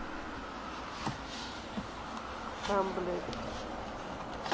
сам блять